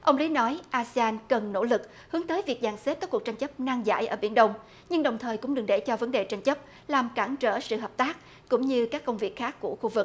ông lý nói a xê an cần nỗ lực hướng tới việc dàn xếp các cuộc tranh chấp nan giải ở biển đông nhưng đồng thời cũng đừng để cho vấn đề tranh chấp làm cản trở sự hợp tác cũng như các công việc khác của khu vực